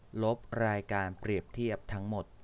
ลบรายการเปรียบเทียบทั้งหมด